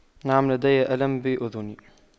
نعم لدي ألم بأذني